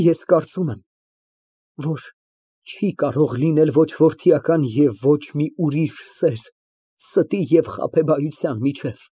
Ես կարծում եմ, որ չի կարող լինել ոչ որդիական և ոչ մի ուրիշ սեր՝ ստի և խաբեբայության մեջ։